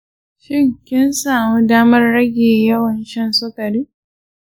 shin kin samu damar rage yawan shan sukari?